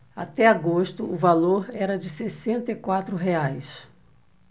até agosto o valor era de sessenta e quatro reais